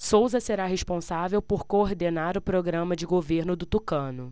souza será responsável por coordenar o programa de governo do tucano